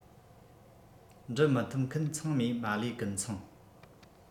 འབྲི མི ཐུབ མཁན ཚང མས མ ལུས ཀུན ཚང